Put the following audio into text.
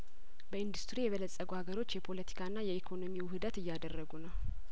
በኢንዱስትሪ የበለጸጉ ሀገሮች የፖለቲካና የኢኮኖሚ ውህደት እያደረጉ ነው